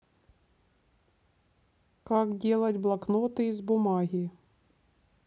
как делать блокноты из бумаги